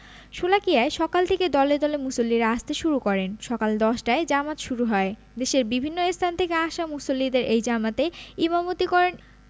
শোলাকিয়ায় সকাল থেকে দলে দলে মুসল্লিরা আসতে শুরু করেন সকাল ১০টায় জামাত শুরু হয় দেশের বিভিন্ন স্থান থেকে আসা মুসল্লিদের এই জামাতে ইমামতি করেন